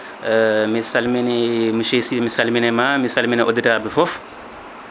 mi salmini Mr Sy mi salminima mi salmina auditeur aji ɗi foof